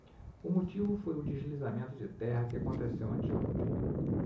o motivo foi o deslizamento de terra que aconteceu anteontem